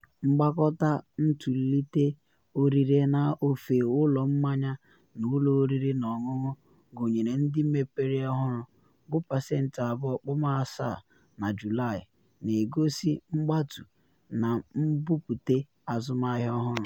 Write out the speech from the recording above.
Mgbakọta ntolite ọrịre n’ofe ụlọ mmanya na ụlọ oriri na ọṅụṅụ, gụnyere ndị mepere ọhụrụ, bụ pasentị 2.7 na Julaị, na egosi mgbatu na mbupute azụmahịa ọhụrụ.